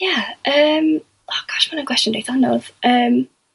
Ia yym oh gosh ma' hwna'n gwestiwn reit anodd yym